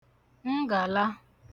ngàla